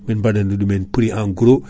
min baɗani ɗum hen prie en gros